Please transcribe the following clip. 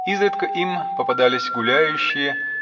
Изредка им попадались гуляющие